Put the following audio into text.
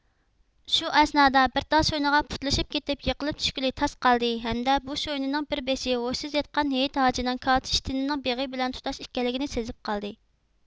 شۇ ئەسنادا بىر تال شوينىغا پۇتلىشىپ كېتىپ يېقىلىپ چۈشكىلى تاس قالدى ھەمدە بۇ شوينىنىڭ بىر بېشى ھوشسىز ياتقان ھېيت ھاجىنىڭ كالتە ئىشتىنىنىڭ بېغى بىلەن تۇتاش ئىكەنلىكىنى سېزىپ قالدى